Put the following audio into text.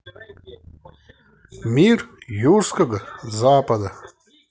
мир юрского запада